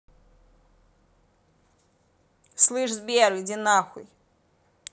слышь сбер иди нахуй